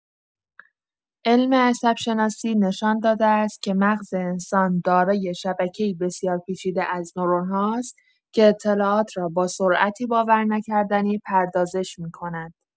علم عصب‌شناسی نشان داده است که مغز انسان دارای شبکه‌ای بسیار پیچیده از نورون‌هاست که اطلاعات را با سرعتی باورنکردنی پردازش می‌کند.